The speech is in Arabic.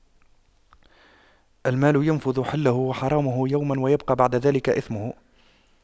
المال ينفد حله وحرامه يوماً ويبقى بعد ذلك إثمه